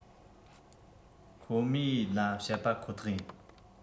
ཁོ མོས ལ བཤད པ ཁོ ཐག ཡིན